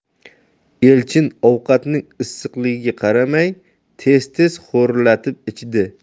elchin ovqatning issiqligiga qaramay tez tez xo'rillatib ichdi